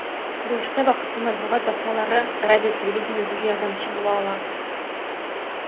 Бу эштә вакытлы матбугат басмалары, радио-телевидение зур ярдәмче була ала.